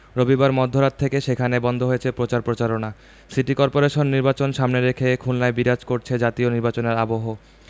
রবিবার মধ্যরাত থেকে সেখানে বন্ধ হয়েছে প্রচার প্রচারণা সিটি করপোরেশন নির্বাচন সামনে রেখে খুলনায় বিরাজ করছে জাতীয় নির্বাচনের আবহ